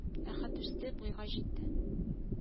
Күпчелек аңа каршы чыкмады.